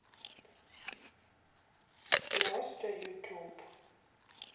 настя ютуб